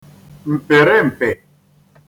m̀pị̀rịmpị̀